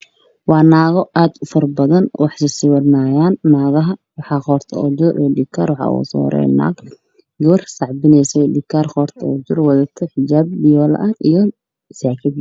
Waa naago aad u fara badan wax sa sawiraayaan naagaha waxaa qoorta ugu jirto aydhii kaar waxaa ugu soo horeeya naag gabar sacbinaysa oo aydhii kaar qoorta ugu jira watada xijaab fiyool ah saakadiisa.